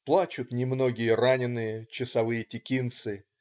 Плачут немногие раненые, часовые-текинцы.